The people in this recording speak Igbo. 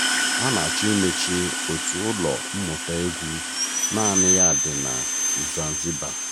A na-achọ imechi otu ụlọ mmụta egwu naanị ya dị na Zanzibar